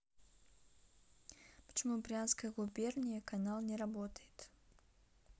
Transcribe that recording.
почему брянская губерния канал не работает